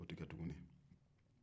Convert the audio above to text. o tɛ kɛ tuguni